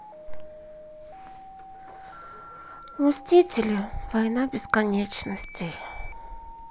мстители война бесконечностей